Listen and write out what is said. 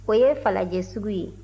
o ye falajɛ sugu ye